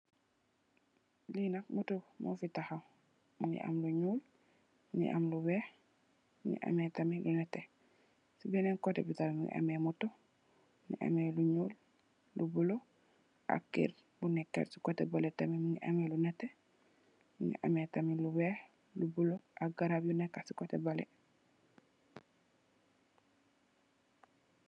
Li nak moto mo fi tahaw, mungi am lu ñuul, mungi am lu weeh, mungi ameh tamit lu nètè. Ci benen kotè bi tamit mungi ameh moto, mungi ameh lu ñuul, lu bulo ak kër bu nekka ci kotè balè tamit mungi ameh lu nètè, mungi ameh tamit lu weeh, lu bulo ak garab yi nekka ci kotè balè.